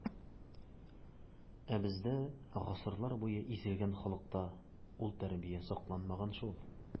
Ә бездә, гасырлар буе изелгән халыкта, ул тәрбия сакланмаган шул.